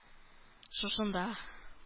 Шушында